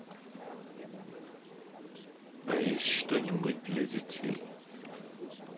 а есть что нибудь для детей